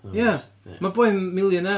Ia, ma'r boi'n millionaire.